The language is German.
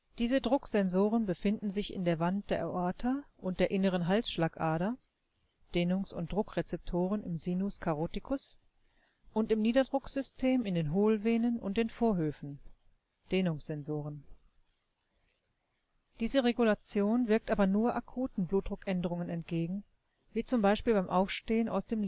Diese Drucksensoren befinden sich in der Wand der Aorta und der inneren Halsschlagader (Dehnungs - und Druckrezeptoren im Sinus caroticus) und im Niederdrucksystem in den Hohlvenen und den Vorhöfen (Dehnungssensoren). Diese Regulation wirkt aber nur akuten Blutdruckänderungen entgegen, wie zum Beispiel beim Aufstehen aus dem